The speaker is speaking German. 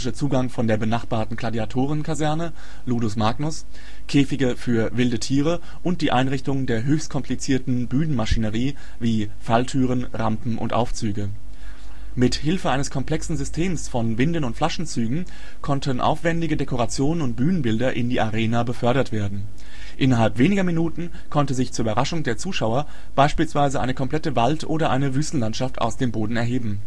Zugang von der benachbarten Gladiatorenkaserne (Ludus Magnus), Käfige für wilde Tiere und die Einrichtungen der höchst komplizierten Bühnenmaschinerie wie Falltüren, Rampen und Aufzüge. Mit Hilfe eines komplexen Systems von Winden und Flaschenzügen konnten aufwändige Dekorationen und Bühnenbilder in die Arena befördert werden. Innerhalb weniger Minuten konnte sich zur Überraschung der Zuschauer beispielsweise eine komplette Wald - oder eine Wüstenlandschaft aus dem Boden erheben